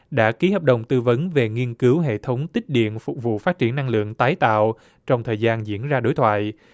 đã ký hợp đồng tư vấn về nghiên cứu hệ thống tích điện phục vụ phát triển năng lượng tái tạo trong thời gian diễn ra đối thoại